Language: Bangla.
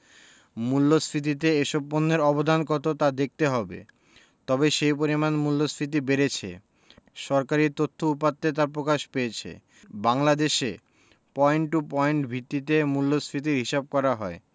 মূল্যস্ফীতিতে এসব পণ্যের অবদান কত তা দেখতে হবে তবে সেই পরিমাণ মূল্যস্ফীতি বেড়েছে সরকারি তথ্য উপাত্তে তা প্রকাশ পেয়েছে বাংলাদেশে পয়েন্ট টু পয়েন্ট ভিত্তিতে মূল্যস্ফীতির হিসাব করা হয়